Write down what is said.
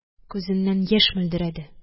Күзеннән яшь мөлдерәде